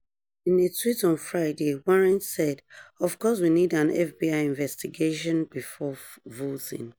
In a tweet on Friday, Warren said "of course we need an FBI investigation before voting."